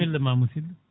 bisimillama musidɗo